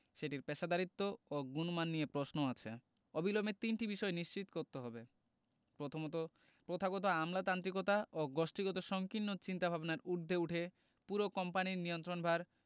সেটির পেশাদারিত্ব ও গুণমান নিয়ে প্রশ্ন আছে অবিলম্বে তিনটি বিষয় নিশ্চিত করতে হবে প্রথমত প্রথাগত আমলাতান্ত্রিকতা ও গোষ্ঠীগত সংকীর্ণ চিন্তাভাবনার ঊর্ধ্বে উঠে পুরো কোম্পানির নিয়ন্ত্রণভার